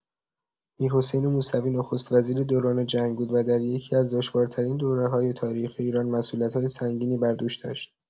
میرحسین موسوی نخست‌وزیر دوران جنگ بود و در یکی‌از دشوارترین دوره‌های تاریخ ایران مسئولیت‌های سنگینی بر دوش داشت.